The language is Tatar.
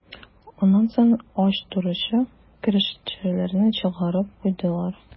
Аннан соң ач торучы көрәшчеләрне чыгарып куйдылар.